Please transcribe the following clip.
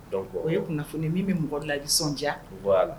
Dɔnku o ye kunnafoni min bɛ mɔgɔ la i bɛ nisɔndiya